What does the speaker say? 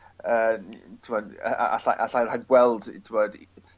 yy n- t'wod yy alla- allai rhagweld t'wod